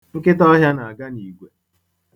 Nkịtāọhịā na-aga n'igwe.